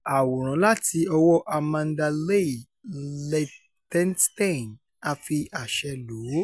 Àwòrán láti ọwọ́ọ Amanda Leigh Lichtenstein, a fi àṣẹ lò ó.